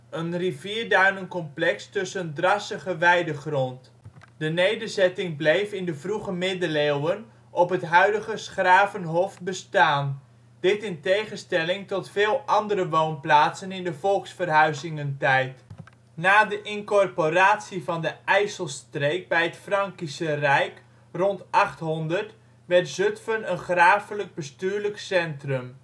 een rivierduinencomplex tussen drassige weidegrond. De nederzetting bleef in de vroege Middeleeuwen op het huidige ' s-Gravenhof bestaan, dit in tegenstelling tot veel andere woonplaatsen in de Volksverhuizingentijd. Na de incorporatie van de IJsselstreek bij het Frankische rijk rond 800 werd Zutphen een grafelijk bestuurlijk centrum